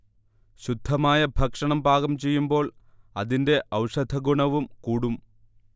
ശുദ്ധമായ ഭക്ഷണം പാകം ചെയ്യുമ്പോൾ അതിന്റെ ഔഷധഗുണവും കൂടും